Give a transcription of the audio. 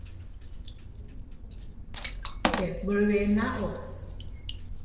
เจ็บบริเวณหน้าอก